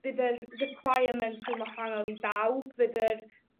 bydd yr requirement yn wahanol i bawb, fydd yr